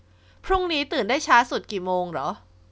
พรุ่งนี้ตื่นได้ช้าสุดกี่โมงเหรอ